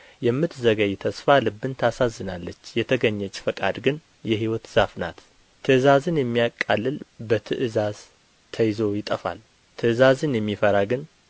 የምትዘገይ ተስፋ ልብን ታሳዝናለች የተገኘች ፈቃድ ግን የሕይወት ዛፍ ናት ትእዛዝን የሚያቃልል በትእዛዝ ተይዞ ይጠፋል ትእዛዝን የሚፈራ ግን